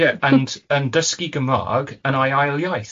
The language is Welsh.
...ie yn yn dysgu Gymrâg yn ai ail iaith.